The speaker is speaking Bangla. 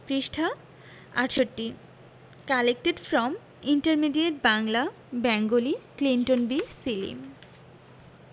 পৃষ্ঠাঃ ৬৮ collected from intermediate Bangla Bengali Clinton B Seely